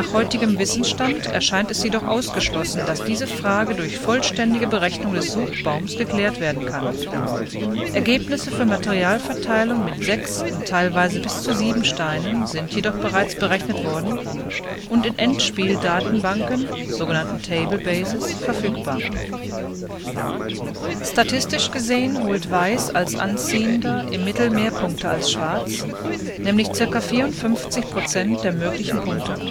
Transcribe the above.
heutigem Wissensstand erscheint es jedoch ausgeschlossen, dass diese Frage durch vollständige Berechnung des Suchbaums geklärt werden kann. Ergebnisse für Materialverteilungen mit sechs und teilweise bis zu sieben Steinen sind jedoch bereits berechnet worden und in Endspieldatenbanken (sogenannten Tablebases) verfügbar. Statistisch gesehen holt Weiß als Anziehender im Mittel mehr Punkte als Schwarz, nämlich circa 54 Prozent der möglichen Punkte